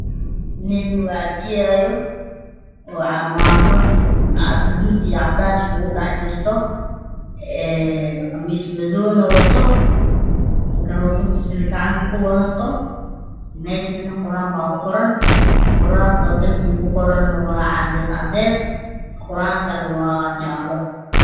Niin waardinaayo oo cimaamad guduud iyo cadaan iskugu dhex jirto een qamiis madawna wato magarafoon kiisana gacanta ku haysto meeshana quraan ayaa ku qoran quraanka darbigana waa cadays cadays quraankana waa jaalo